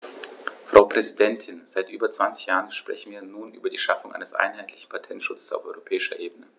Frau Präsidentin, seit über 20 Jahren sprechen wir nun über die Schaffung eines einheitlichen Patentschutzes auf europäischer Ebene.